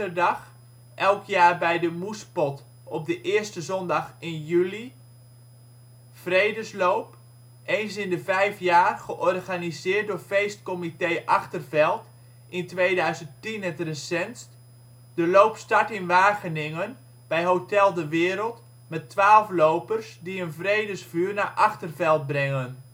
Dag - elk jaar bij de Moespot op de eerste zondag in juli Vredesloop - eens in de 5 jaargeorganiseerd door Feestcomité Achterveld, in 2010 het recentst. De loop start in Wageningen bij hotel “De Wereld " met 12 lopers die een Vredesvuur naar Achterveld brengen